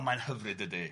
o mae'n hyfryd dydi?